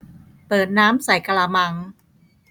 เปิดน้ำใส่กะละมัง